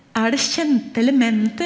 er det kjente elementer?